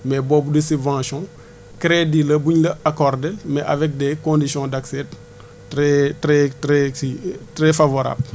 mais boobu de subvention crédit la bu ñu la accordé mais avec des conditions d' accès très très très ci très favorables